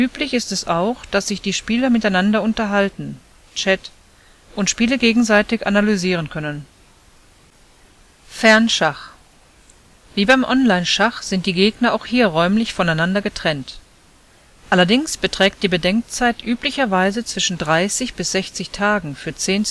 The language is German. Üblich ist auch, dass sich die Spieler miteinander unterhalten können (Chat) und Spiele gegenseitig analysieren können. Fernschach: Wie beim Online-Schach sind die Gegner auch hier räumlich voneinander getrennt. Allerdings beträgt die Bedenkzeit üblicherweise zwischen 30 bis 60 Tagen für 10 Züge